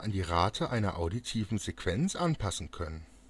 die Rate einer auditiven Sequenz anpassen können